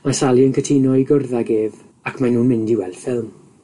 Mae Sally yn cytuno i gwrdd ag ef, ac mae nw'n mynd i weld ffilm.